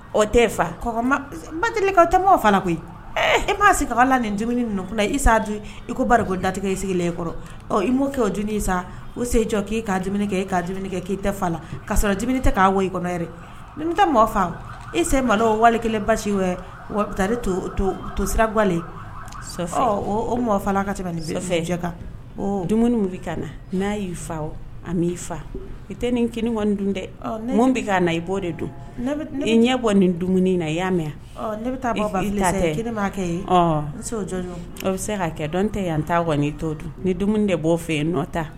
Ɔ tɛ fa ba delikaw tɛ fa koyi m'a se ka la nin dumuni ninnukun i' i ko ba ko datigɛ i sigilen e kɔrɔ mɔkɛ o dumuni sa o se jɔ k'i kaini kɛ e' k'i tɛ fa la ka sɔrɔini tɛ k' i kɔnɔ n taa mɔgɔ fa e se malo wali kelen basi bɛ taa to to sira gale o mɔgɔ fa la ka tɛmɛka dumuni bɛ ka na n'a y'i fa a'i faa i tɛ nin kɛ dun dɛ mun bɛ' na i' de don ɲɛ bɔ nin dumuni in na i y'a mɛn ne bɛ taa'a kɛ jɔn bɛ se ka kɛ dɔn tɛ yan n ta n' to ni dumuni de b' fɛ yen ta